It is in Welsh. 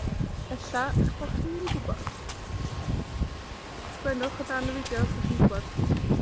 Ella 'ych bo' chi'n gwbod. Sgwennwch o dan y fideo os 'dach chi'n gwbod